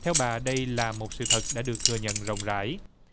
theo bà đây là một sự thật đã được thừa nhận rộng rãi